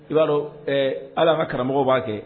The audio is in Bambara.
I b'a dɔn ɛɛ ala ka karamɔgɔ b'a kɛ